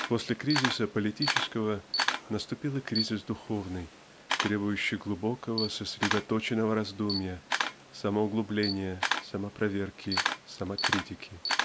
После кризиса политического наступил и кризис духовный требующий глубокого сосредоточенного раздумья самоуглубления самопроверки самокритики.